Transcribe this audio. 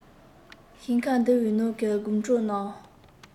ཞིང ཁ འདིའི ནང གི དགུན གྲོ རྣམས